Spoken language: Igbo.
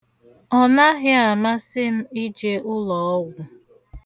Ọ naghị amasị m ije ụlọọgwụ.